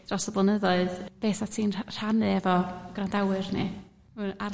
dros y blynyddoedd be sa ti'n rh- rhannu efo grandawyr ni?